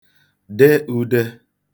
de ūdē